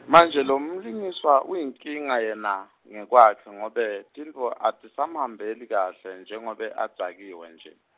manje lomlingiswa uyinkinga yena, ngekwakhe ngobe, tintfo atisamhambeli kahle, njengobe adzakiwe nje.